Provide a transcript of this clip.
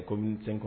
Ne ko tɛ kɔnɔ